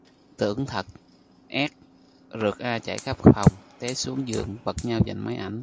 tưởng thật s rượt a chạy khắp phòng té xuống giường vật nhau giành máy ảnh